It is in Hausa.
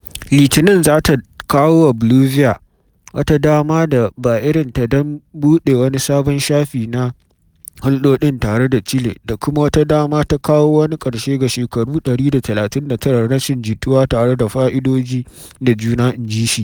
Litinin za ta kawo wa Bolivia “wata dama da ba irinta don bude wani sabon shafi na huldodi tare da Chile” da kuma wata dama ta “kawo wani karshe ga shekaru 139 na rashin jituwa tare da fa’idoji da juna,” inji shi.